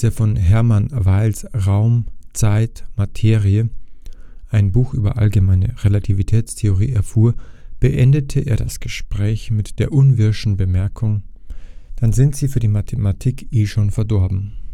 von Hermann Weyls Raum, Zeit, Materie (ein Buch über Allgemeine Relativitätstheorie) erfuhr, beendete er das Gespräch mit der unwirschen Bemerkung: „ Dann sind Sie für die Mathematik sowieso schon verdorben